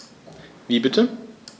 Wie bitte?